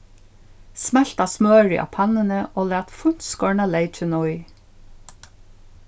smelta smørið á pannuni og lat fíntskorna leykin í